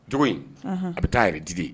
Cogo in anhan a be t'aa yɛrɛ di de